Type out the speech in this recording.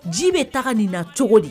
Ji bɛ taga nin na cogo di